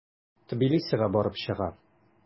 Тбилисига барып чыга.